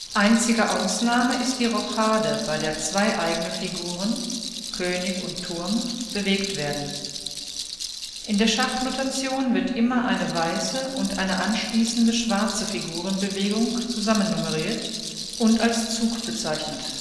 Einzige Ausnahme ist die Rochade, bei der zwei eigene Figuren (König und Turm) bewegt werden. In der Schachnotation wird immer eine weiße und eine anschließende schwarze Figurenbewegung zusammen nummeriert und als Zug bezeichnet